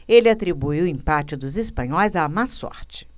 ele atribuiu o empate dos espanhóis à má sorte